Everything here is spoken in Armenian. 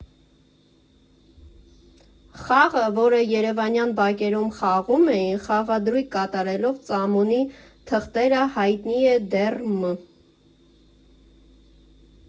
Խաղը, որը երևանյան բակերում խաղում էին՝ խաղադրույք կատարելով ծամոնի թղթերը, հայտնի է դեռ մ.